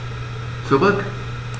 Zurück.